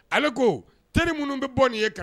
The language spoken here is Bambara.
Ale ko teri ni minnu bɛ bɔ nin ye kan